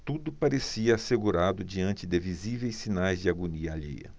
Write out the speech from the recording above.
tudo parecia assegurado diante de visíveis sinais de agonia alheia